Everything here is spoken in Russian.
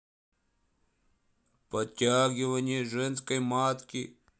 подтягивание женской матки